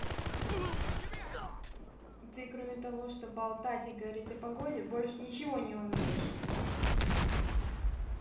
ты кроме того что болтать и говорить о погоде больше ничего не умеешь